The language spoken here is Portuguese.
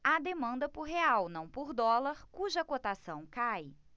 há demanda por real não por dólar cuja cotação cai